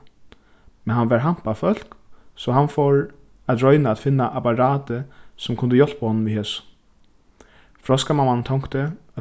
men hann var hampafólk so hann fór at royna at finna apparatið sum kundi hjálpa honum við hesum froskamamman tonkti